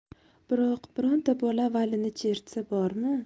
biroq bironta bola valini chertsa bormi